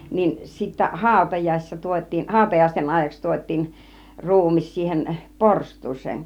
niin sitten hautajaisissa tuotiin hautajaisten ajaksi tuotiin ruumis siihen porstuaan